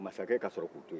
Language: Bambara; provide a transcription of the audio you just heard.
masakɛ ka sɔrɔ k'u to yen